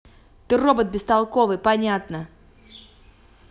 ты робот бестолковый понятно